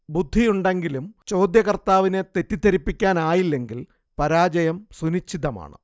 ബുദ്ധിയുണ്ടെങ്കിലും ചോദ്യകർത്താവിനെ തെറ്റിദ്ധരിപ്പിക്കാനായില്ലെങ്കിൽ പരാജയം സുനിശ്ചിതമാണ്